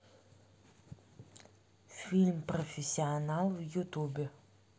фильм профессионал в ютубе